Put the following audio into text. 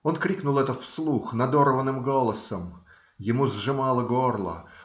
Он крикнул это вслух надорванным голосом; ему сжимало горло.